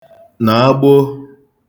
nàagboo